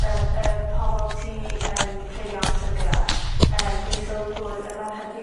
y y pobol ti yn treulio amser gyda. Yym fi 'di sylwi bod y merched fi'n